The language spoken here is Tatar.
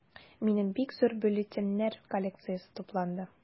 Минем бик зур бюллетеньнәр коллекциясе тупланды.